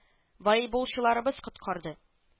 Волейболчыларыбыз коткарды